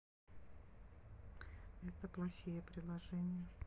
это плохие приложения